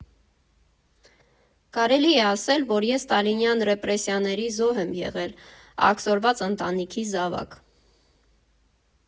Կարելի է ասել, որ ես Ստալինյան ռեպրեսիաների զոհ եմ եղել՝ աքսորված ընտանիքի զավակ։